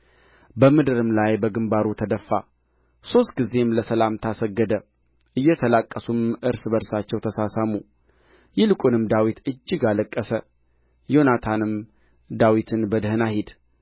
በምድርም ላይ በግምባሩ ተደፋ ሦስት ጊዜም ለሰላምታ ሰገደ እየተላቀሱም እርስ በእርሳቸው ተሳሳሙ ይልቁንም ዳዊት እጅግ አለቀሰ ዮናታንም ዳዊትን በደኅና ሂድ